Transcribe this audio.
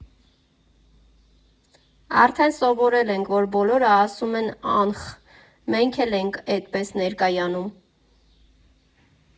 Արդեն սովորել ենք, որ բոլորը ասում են Սնխ, մենք էլ ենք էդպես ներկայանում։